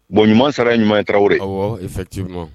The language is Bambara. Bon ɲumanuma sara ɲuman ye tarawele